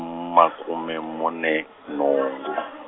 makume mune nhungu.